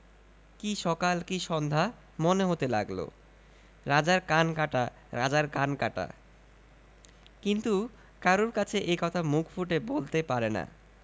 কী সকাল কী সন্ধ্যা মনে হতে লাগল রাজার কান কাটা রাজার কান কাটা কিন্তু কারুর কাছে এ কথা মুখ ফুটে বলতে পারে না